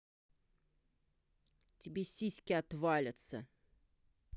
тебе сиськи отвалятся